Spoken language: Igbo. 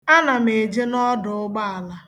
Ana m eje n'ọdụụgbọala.